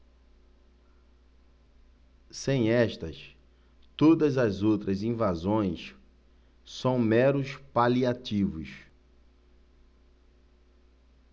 sem estas todas as outras invasões são meros paliativos